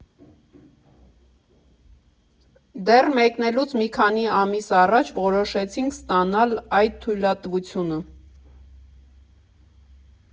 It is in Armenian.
Դեռ մեկնելուց մի քանի ամիս առաջ որոշեցինք ստանալ այդ թույլատվությունը։